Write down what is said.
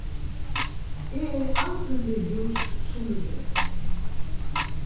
eg eri aldrin við hús sunnudagar